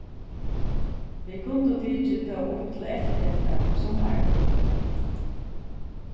vit kundu tikið tað upp til eftirtektar um summarið